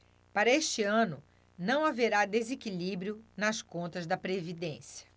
para este ano não haverá desequilíbrio nas contas da previdência